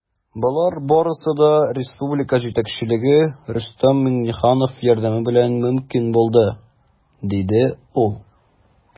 Болар барысы да республика җитәкчелеге, Рөстәм Миңнеханов, ярдәме белән мөмкин булды, - диде ул.